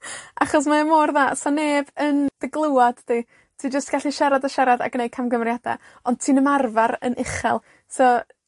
Achos mae o mor dda, 'sa neb yn dy glywad di, ti jyst gallu siarad a siarad a gneud camgymeriada, ond ti'n ymarfar yn uchal, so,